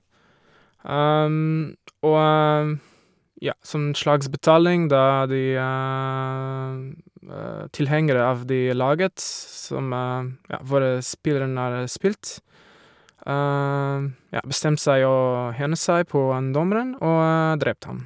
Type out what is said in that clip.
Og, ja, som en slags betaling, da de tilhengere av det laget, s som ja, hvor spilleren har spilt, ja, bestemte seg å hevne seg på han dommeren, og drepte han.